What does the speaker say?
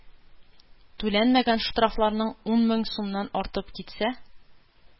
Түләнмәгән штрафларың ун мең сумнан артып китсә,